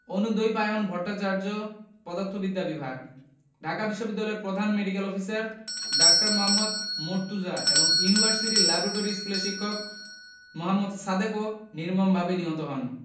অনুদ্বৈপায়ন ভট্টাচার্য পদার্থবিদ্যা বিভাগ ঢাকা বিশ্ববিদ্যালয়ের প্রধান মেডিক্যাল অফিসার ডা. মোহাম্মদ মর্তুজা এবং ইউনিভার্সিটি ল্যাবরেটরি স্কুলের শিক্ষক মোহাম্মদ সাদেকও নির্মমভাবে নিহত হন